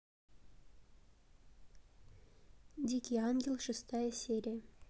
дикий ангел шестая серия